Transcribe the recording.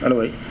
allo oui